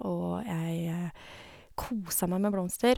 Og jeg kosa meg med blomster.